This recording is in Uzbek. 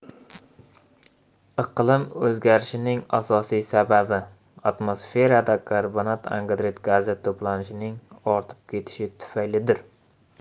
iqlim o'zgarishining asosiy sababi atmosferada karbonat angidrid gazi to'planishining ortib ketishi tufaylidir